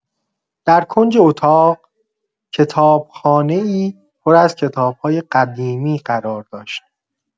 در کنج اتاق، کتابخانه‌ای پر از کتاب‌های قدیمی قرار داشت.